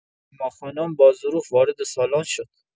هما خانم با ظروف وارد سالن شد.